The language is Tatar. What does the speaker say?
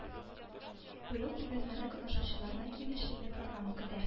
Быел күргәзмәдә катнашучыларны киң эшлекле программа көтә